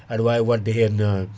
aɗa wawi wadde henna